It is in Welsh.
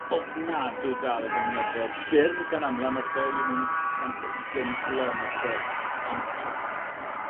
ofnadw o galed y mynyddodd byr gan amla ma'r dou o nw'n gant a ugen cilometyr ond t'wod